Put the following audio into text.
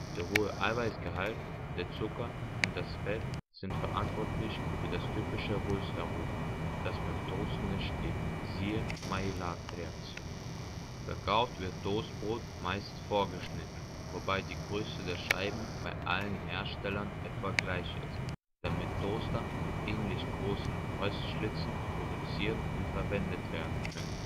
Der hohe Eiweißgehalt, der Zucker und das Fett sind verantwortlich für das typische Röstaroma, das beim Toasten entsteht, siehe Maillard-Reaktion. Verkauft wird Toastbrot meist vorgeschnitten, wobei die Größe der Scheiben bei allen Herstellern etwa gleich ist, damit Toaster mit ähnlich großen Röstschlitzen produziert und verwendet werden können